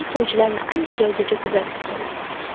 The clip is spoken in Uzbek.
sovchilarni ancha joygacha kuzatib keldi